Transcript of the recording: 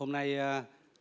hôm nay a